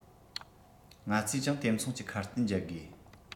ང ཚོས ཀྱང དེ མཚུངས ཀྱི ཁ གཏད འཇལ དགོས